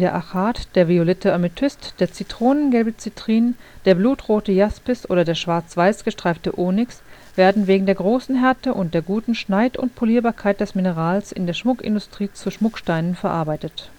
Achat, der violette Amethyst, der zitronengelbe Citrin, der blutrote Jaspis oder der schwarz-weiß gestreifte Onyx werden wegen der großen Härte und der guten Schneid - und Polierbarkeit des Minerals in der Schmuckindustrie zu Schmucksteinen verarbeitet